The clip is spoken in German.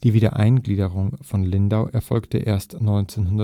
Wiedereingliederung von Lindau erfolgte erst 1955